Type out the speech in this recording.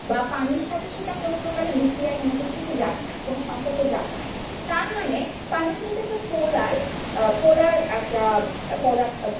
বা পানির সাথে কোন সেটা কোন প্রকার বিক্রিয়া কোন কিছুতে যাবে না কোন প্রকার সম্পর্কে যাবে না তারমানে পানি যেহেতু পোলার পোলার একটা পদার্থ